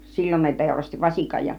silloin ne teurasti vasikan ja